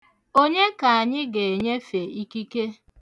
Onye ka anyị ga-enyefe ikike?